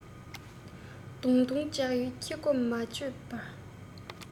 བརྡུངས བརྡུངས ལྕག ཡུ ཁྱི མགོས མ བཅག པར